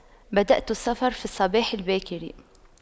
بدأت السفر في الصباح الباكر